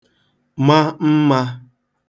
ma mmā